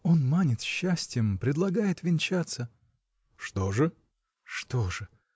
Он манит счастьем, предлагает венчаться. — Что же? — Что же!